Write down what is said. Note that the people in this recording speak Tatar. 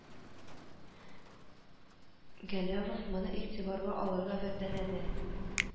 Галәвов моны игътибарга алырга вәгъдәләде